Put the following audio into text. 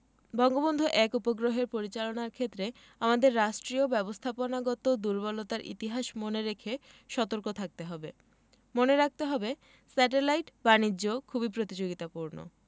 বঙ্গবন্ধু ১ উপগ্রহের পরিচালনার ক্ষেত্রে আমাদের রাষ্ট্রীয় ব্যবস্থাপনাগত দূর্বলতার ইতিহাস মনে রেখে সতর্ক থাকতে হবে মনে রাখতে হবে স্যাটেলাইট বাণিজ্য খুবই প্রতিযোগিতাপূর্ণ